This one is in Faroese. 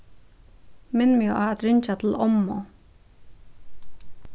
minn meg á at ringja til ommu